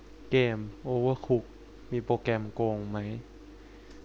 เกมโอเวอร์คุกมีโปรแกรมโกงไหม